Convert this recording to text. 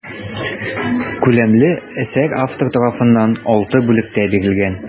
Күләмле әсәр автор тарафыннан алты бүлектә бирелгән.